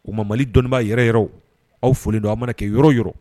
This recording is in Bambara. U ma mali dɔnnibaaa yɛrɛy aw foli don aw mana kɛ yɔrɔ yɔrɔ